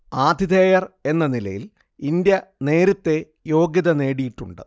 ആതിഥേയർ എന്ന നിലയിൽ ഇന്ത്യ നേരത്തെ യോഗ്യത നേടിയിട്ടുണ്ട്